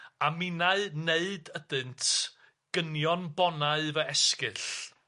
a minnau neud ydynt gynion bonau fy esgyll.